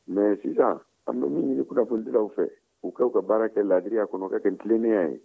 mais sisan an bɛ min ɲini kunnafonidilaw fɛ u ka u ka baaraw kɛ laadiriya kɔnɔ k'a kɛ ni tilennenya ye